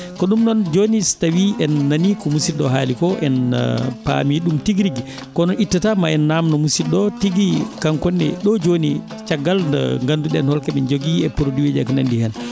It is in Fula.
ko ɗum noon joni si tawi en nani ko musiɗɗo o haali ko en paami ɗum tiguirigui kono ittata ma en namdo musiɗɗo o tigui kanko ne ɗo joni caggal nde ganduɗen holkoɓe jogui e produit ji eko nandi hen